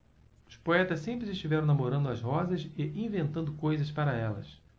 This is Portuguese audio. os poetas sempre estiveram namorando as rosas e inventando coisas para elas